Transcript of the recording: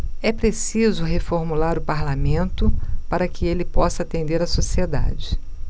é preciso reformular o parlamento para que ele possa atender a sociedade